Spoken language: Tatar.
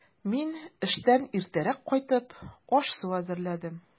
Мин, эштән иртәрәк кайтып, аш-су әзерләдем.